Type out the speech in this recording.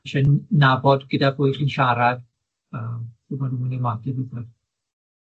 Isie n- nabod gyda pwy chi'n siarad yym be' ma' nw myn' i ymateb i